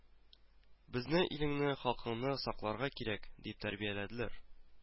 Безне илеңне, халкыңны сакларга кирәк, дип тәрбияләделәр